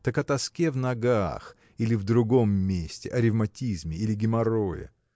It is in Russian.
так о тоске в ногах или в другом месте о ревматизме или геморрое.